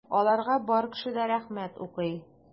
Аларга бар кеше дә рәхмәт укый.